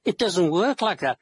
It doesn't work like that.